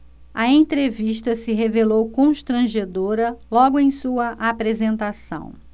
a entrevista se revelou constrangedora logo em sua apresentação